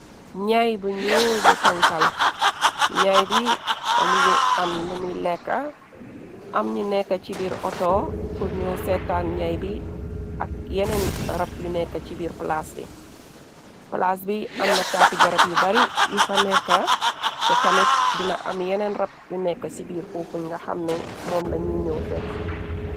ñaay bu ñuul bu ponkal ñaay bi amu ngi am limiy lekka am ñi nekka ci biir oto purñoow seetaan ñaay bi ak yeneen rap yu nekka ci biir plaas bi palaas bi am na taati garab yu bari yu fa nekka te tamit dina am yeneen rapp yu nekk ci biir foufuñ nga xamne moom lañi ñoow setsi